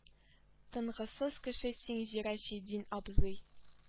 Тынгысыз кеше син сираҗетдин абзый